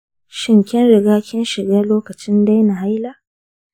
shin kin riga kin shiga lokacin daina haila?